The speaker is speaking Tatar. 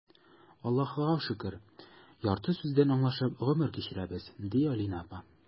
Аллаһыга шөкер, ярты сүздән аңлашып гомер кичерәбез,— ди Алинә апа.